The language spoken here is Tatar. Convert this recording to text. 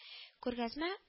Күргәзмә